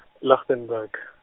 Lichtenburg.